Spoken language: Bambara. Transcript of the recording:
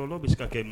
O dɔw bɛ ka kɛ